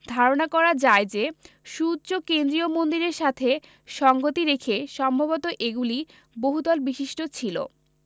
ধারণা করা যায় যে সুউচ্চ কেন্দ্রীয় মন্দিরের সাথে সঙ্গতি রেখে সম্ভবত এগুলি বহুতল বিশিষ্ট ছিল